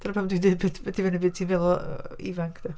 Dyna pam dwi'n dweud mae'n dibynnu beth ti'n feddwl o ifanc de.